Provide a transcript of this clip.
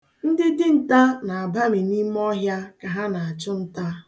Ndị dinta na-abami n'ime ọhịa ka ha na-achụ nta.